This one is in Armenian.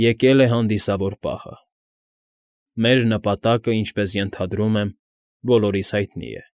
Եկել է հանդիսավոր պահը։ Մեր նպատակը, ինչպես ենթադրում եմ, բոլորիս հայտնի է։